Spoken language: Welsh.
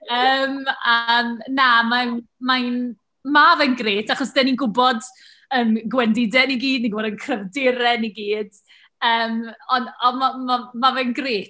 Yym, a na, mae'n mae'n... ma' fe'n grêt achos dan ni'n gwybod yym gwendidau ni gyd. Ni'n gwybod ein cryfderau ni gyd. Yym, ond ond ma' ma' ma' fe'n grêt.